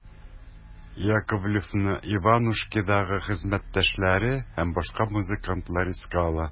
Яковлевны «Иванушки»дагы хезмәттәшләре һәм башка музыкантлар искә ала.